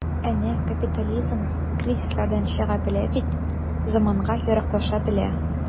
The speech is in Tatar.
Әнә капитализм кризислардан чыга белә бит, заманга яраклаша белә.